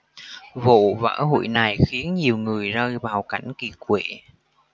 vụ vỡ hụi này khiến nhiều người rơi vào cảnh kiệt quệ